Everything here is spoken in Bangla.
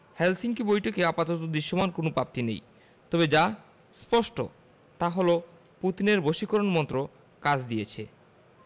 হেলসিঙ্কি বৈঠকের আপাতত দৃশ্যমান কোনো প্রাপ্তি নেই তবে যা স্পষ্ট তা হলো পুতিনের বশীকরণ মন্ত্র কাজ দিয়েছে